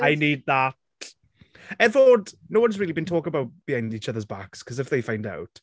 I need that. I fod... no-one's really been talking about behind each other's backs 'cause if they find out...